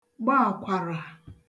gba àkwàrà